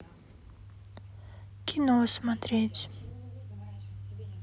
кино смотреть